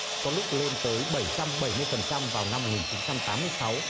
có lúc lên tới bảy trăm bảy mươi phần trăm vào năm một nghìn chín trăm tám mươi sáu